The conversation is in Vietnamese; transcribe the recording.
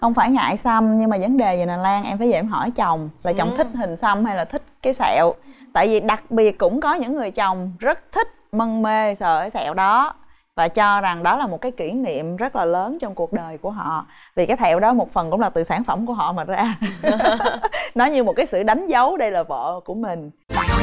không phải ngại xăm nhưng mà dấn đề dậy nè lan em phải hỏi chồng là chồng thích hình xăm hay là thích cái sẹo tại vị đặc biệt cũng có những người chồng rất thích mân mê sờ cái sẹo đó và cho rằng đó là một cái kỷ niệm rất là lớn trong cuộc đời của họ vì cái thẹo đó một phần cũng là từ cái sản phẩm của họ mà ra nó như một cái sự đánh dấu đây là vợ của mình